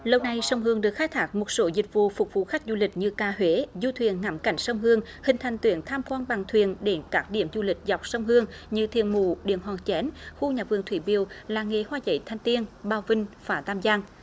lâu nay sông hương được khai thác một số dịch vụ phục vụ khách du lịch như ca huế du thuyền ngắm cảnh sông hương hình thành tuyến tham quan bằng thuyền đến các điểm du lịch dọc sông hương như thiên mụ điện hòn chén khu nhà vườn thủy biều là nghề hoa giấy thanh tiên bao vinh phá tam giang